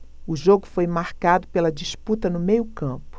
o jogo foi marcado pela disputa no meio campo